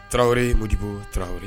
Taraweleore mo kojugubo tarawelerawre